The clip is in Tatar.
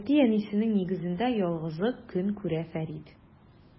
Әти-әнисенең нигезендә ялгызы көн күрә Фәрид.